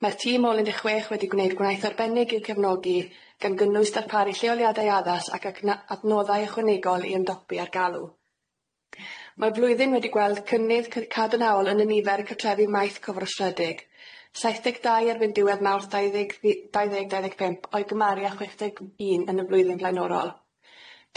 Mae'r tîm ôl un deg chwech wedi gwneud gwaith arbennig i'w cefnogi, gan gynnwys darparu lleoliadau addas ac acna- adnoddau ychwanegol i ymdopi â'r galw. Mae'r flwyddyn wedi gweld cynnydd cy- cadarnhaol yn nifer y cartrefi maith cofrestredig, saith deg dau erbyn diwedd Mawrth dau ddeg fi- dau ddeg dau ddeg pump o'i gymharu â chwech deg un yn y flwyddyn flaenorol.